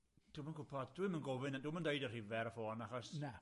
Hmm, dwi'm yn gwbod, dwi'm yn gofyn, a dw'm yn deud y rhif ar y ffôn, achos... Na.